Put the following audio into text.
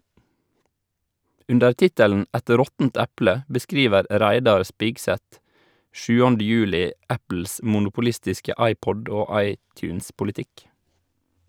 Under tittelen "Et råttent eple" beskriver Reidar Spigseth 7. juli Apples monopolistiske iPod- og iTunes-politikk.